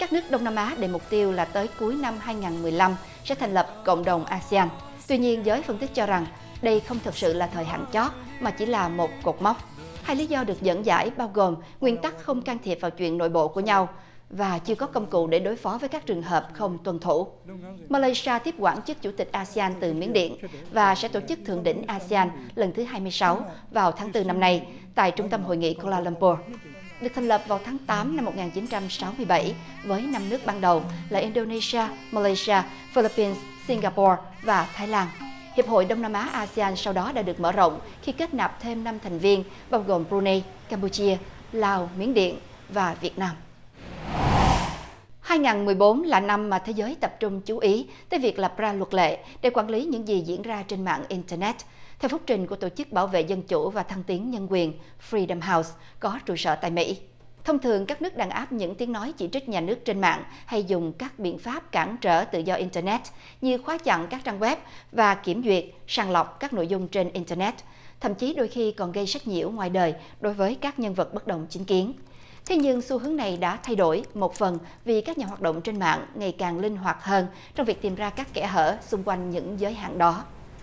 các nước đông nam á để mục tiêu là tới cuối năm hai ngàn mười lăm cho thành lập cộng đồng a sê an tuy nhiên giới phân tích cho rằng đây không thực sự là thời hạn chót mà chỉ là một cột mốc hai lý do được dẫn giải bao gồm nguyên tắc không can thiệp vào chuyện nội bộ của nhau và chưa có công cụ để đối phó với các trường hợp không tuân thủ ma lây si a tiếp quản chức chủ tịch a sê an từ miến điện và sẽ tổ chức thượng đỉnh a si an lần thứ hai mươi sáu vào tháng tư năm nay tại trung tâm hội nghị cua la lăm pua được thành lập vào tháng tám năm một nghìn chín trăm sáu mươi bảy với năm nước ban đầu là in đô nê si a ma lây si a phi líp pin sin ga po và thái lan hiệp hội đông nam á a si an sau đó đã được mở rộng khi kết nạp thêm năm thành viên bao gồm bờ ru nây cam pu chia lào miến điện và việt nam hai ngàn mười bốn là năm mà thế giới tập trung chú ý tới việc lập ra luật lệ để quản lý những gì diễn ra trên mạng in tơ nét theo phúc trình của tổ chức bảo vệ dân chủ và thăng tiến nhân quyền phờ ri đom hao có trụ sở tại mỹ thông thường các nước đàn áp những tiếng nói chỉ trích nhà nước trên mạng hay dùng các biện pháp cản trở tự do in tơ nét như khóa chặn các trang quét và kiểm duyệt sàng lọc các nội dung trên in tơ nét thậm chí đôi khi còn gây sách nhiễu ngoài đời đối với các nhân vật bất đồng chính kiến thế nhưng xu hướng này đã thay đổi một phần vì các nhà hoạt động trên mạng ngày càng linh hoạt hơn trong việc tìm ra các kẽ hở xung quanh những giới hạn đó